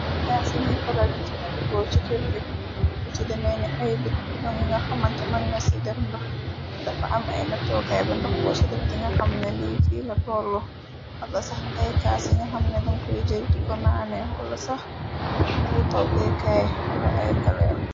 Bagaas yi ñi faral di jëfandikoo ci kërg lu ci demee ni ay bit bidoŋ yu nga xamante mën nga ci def ndox dafa am ay natookaay ba ndox boo so def di nga xam na lii fi la tollu ab la sax ay kaas yini xamne dëmkoy jëg ti ko naanee wala sax ay toggekaay wala ay kaleela.